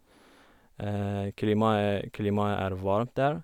krimae Klimaet er varmt der.